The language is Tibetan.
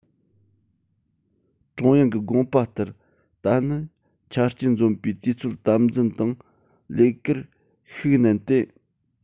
ཀྲུང དབྱང གི དགོངས པ ལྟར ད ནི ཆ རྐྱེན འཛོམས པས དུས ཚོད དམ འཛིན དང ལས ཀར ཤུགས བསྣན ཏེ